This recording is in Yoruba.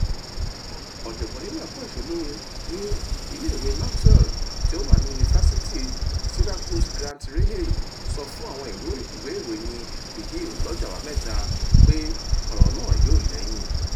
Ọ̀jọ̀gbọ́n nínú ẹ̀kọ́ ìṣèlú ní Maxwell School tí ó wà ní Yunifásítì Syracuse Grant Reheer ṣọ fún àwọn ìwé ìròyìn The Hill lọ́jọ́ Àbámẹ́ta pé ọ̀rọ̀ náà yóò lẹ́yìn.